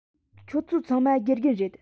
ཁྱོད ཚོ ཚང མ དགེ རྒན རེད